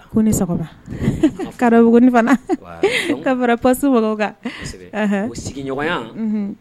Ko ni sɔgɔma kara fana kaɔsi mɔgɔw sigiɲɔgɔnya